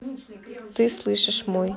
ты слышишь мой